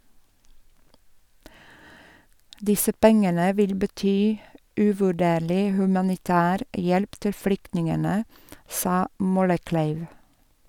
Disse pengene vil bety uvurderlig humanitær hjelp til flyktningene, sa Mollekleiv.